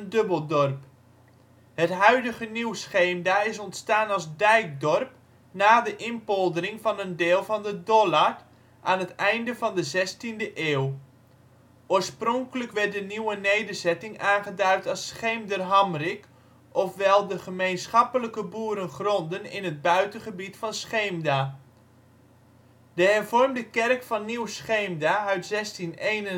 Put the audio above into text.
dubbeldorp. Het huidige Nieuw-Scheemda is ontstaan als dijkdorp na de inpoldering van een deel van de Dollard aan het einde van de zestiende eeuw. Oorspronkelijk werd de nieuwe nederzetting aangeduid als Scheemderhamrik, ofwel de ' gemeenschappelijke boerengronden in het buitengebied van Scheemda '. De hervormde kerk van Nieuw-Scheemda uit 1661